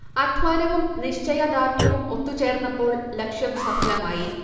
അധ്വാനവും നിശ്ചയദാർഢ്യവും ഒത്തു ചേർന്നപ്പോൾ ലക്ഷ്യം സഫലമായി